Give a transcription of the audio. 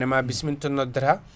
* ma bismila to noddata